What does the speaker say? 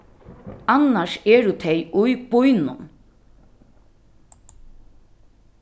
annars eru tey í býnum